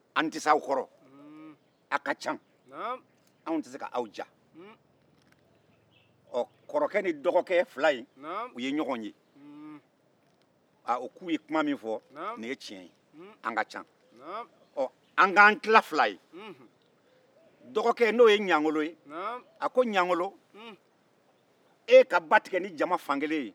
anw tɛ se aw kɔrɔ a' ka ca kɔrɔkɛ ni dɔgɔkɛ fila in u ye ɲɔgɔn ye a u k'u ye kuma min fɔ nin ye tiɲɛ ye an ka ca ɔ an ka an tila fila ye dɔgɔkɛ n'o ye ɲangolo ye a ko ɲangolo e ka ba tigɛ ni jama fan kelen ye